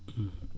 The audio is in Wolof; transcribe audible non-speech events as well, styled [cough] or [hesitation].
[hesitation] [hesitation]